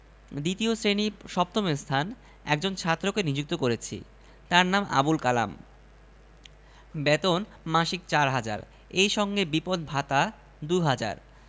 আপনার মনের মিল রেখে কুমীর আঁকতে হলে তো কুচকুচে কালো রঙের কুমীর আঁকতে হয় সিদ্দিক সাহেব অনেক কষ্টে রাগ সামলে বললেন কুমীরের লেজ থাকে বলে জানতাম